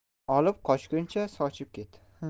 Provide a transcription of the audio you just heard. olib qochguncha sochib ket